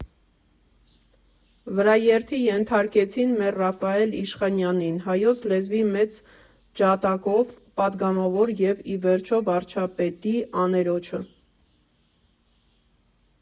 Վրաերթի ենթարկեցին մեր Ռաֆայել Իշխանյանին՝ հայոց լեզվի մեծ ջատագով, պատգամավոր և ի վերջո վարչապետի աներոջը։